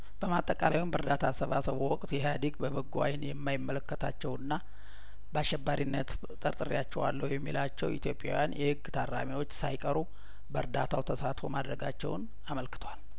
በማጠቃለያውም በእርዳታ አሰባሰቡ ወቅት ኢህአዲግ በበጐ አይን የማይመለከታቸውና በአሸባሪነት ጠርጥሬያቸዋለሁ የሚላቸው ኢትዮጵያውያን የህግ ታራሚዎች ሳይቀሩ በእርዳታው ተሳትፎ ማድረጋቸውን አመልክቷል